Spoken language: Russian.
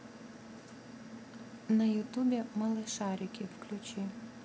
на ютубе малышарики включи